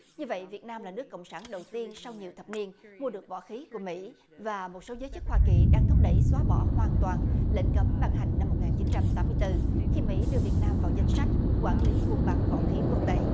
như vậy việt nam là nước cộng sản đầu tiên sau nhiều thập niên mua được võ khí của mỹ và một số giới chức hoa kỳ đang thúc đẩy xóa bỏ hoàn toàn lệnh cấm vận hành năm một nghìn chín trăm tám mươi từ khi mỹ đưa việt nam vào danh sách quản lý buôn bán võ khí quốc tế